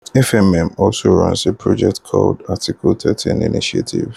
FMM also runs a project called “Article 13 Initiative“?